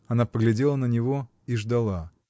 Она поглядела на него и ждала.